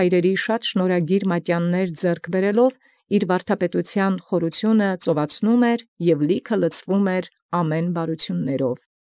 Եւ բազում շնորհագիր մատեանս զհարցն եկեղեցւոյ ստացեալ, ծովացուցանէր զվարդապետութեանն զխորութիւն, և լցեալ զեղոյր ամենայն բարութեամբք։